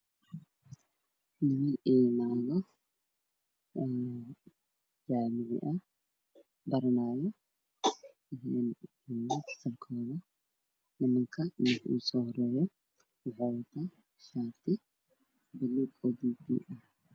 Waxaa ii muuqda kol ay ku jiraan niman fara badan iyo dumar dumarkana waxa ay wataan indha shareer